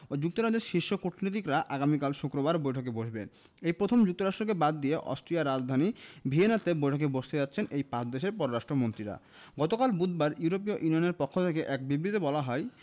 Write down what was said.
ও যুক্তরাজ্যের শীর্ষ কূটনীতিকরা আগামীকাল শুক্রবার বৈঠকে বসবেন এই প্রথম যুক্তরাষ্ট্রকে বাদ দিয়ে অস্ট্রিয়ার রাজধানী ভিয়েনাতে বৈঠকে বসতে যাচ্ছেন এই পাঁচ দেশের পররাষ্ট্রমন্ত্রীরা গতকাল বুধবার ইউরোপীয় ইউনিয়নের পক্ষ থেকে এক বিবৃতিতে বলা হয়